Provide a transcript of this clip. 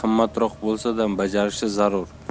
da qimmatroq bo'lsa da bajarishi zarur